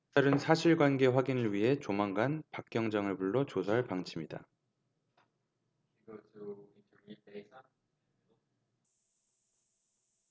경찰은 사실관계 확인을 위해 조만간 박 경장을 불러 조사할 방침이다